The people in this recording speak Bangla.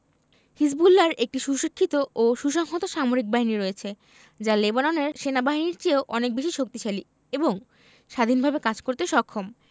হিজবুল্লাহর একটি সুশিক্ষিত ও সুসংহত সামরিক বাহিনী রয়েছে যা লেবাননের সেনাবাহিনীর চেয়েও অনেক বেশি শক্তিশালী এবং স্বাধীনভাবে কাজ করতে সক্ষম